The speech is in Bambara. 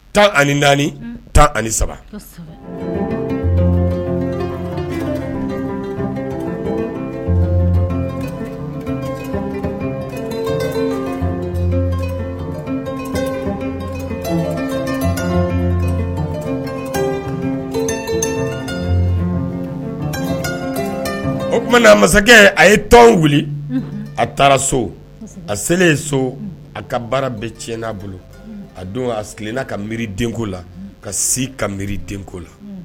Tan ani naani tan ani saba o tuma na masakɛ a ye tɔw wuli a taara so a selen ye so a ka baara bɛ ti'a bolo a don a ka mi denko la ka si ka mi denko la